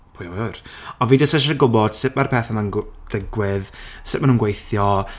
Pwy a ŵyr? Ond fi jyst isie gwybod, sut ma'r pethau ma'n gw- digwydd, sut ma' nhw'n gweithio...